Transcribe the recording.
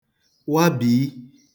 wabìi